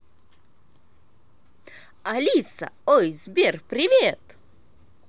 алиса ой сбер привет